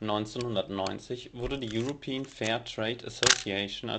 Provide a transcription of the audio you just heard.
1990 wurde die European Fair Trade Association